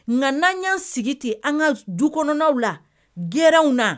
Nka n'an y'an sigi ten an ka du kɔnɔna la gw na